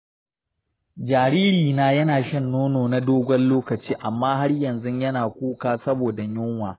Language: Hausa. jaririna yana shan nono na dogon lokaci amma har yanzu yana kuka saboda yunwa.